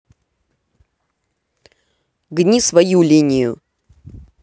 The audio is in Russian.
гни свою линию